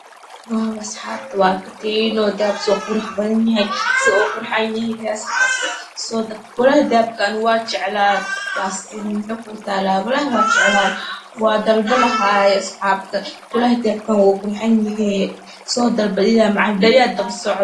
Halkan waxaa yalo dahabi iyo dhego iyo katinad